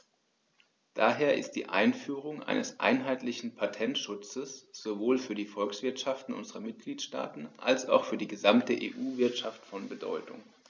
Daher ist die Einführung eines einheitlichen Patentschutzes sowohl für die Volkswirtschaften unserer Mitgliedstaaten als auch für die gesamte EU-Wirtschaft von Bedeutung.